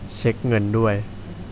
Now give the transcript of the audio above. เช็คเงินด้วย